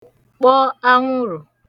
kpọ anwụrụ̀